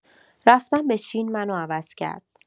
رفتن به چین منو عوض کرد.